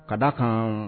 Ka d' a kan